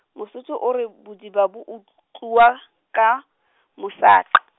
Mosotho o re b- bodiba bo ut- tluwa ka , mosaqa.